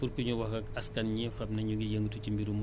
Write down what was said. occasion bi ñu am la bi ngeen ñu may